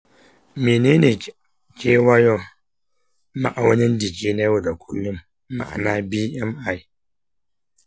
menene kewayon ma'aunin jiki na yau da kullun (bmi)?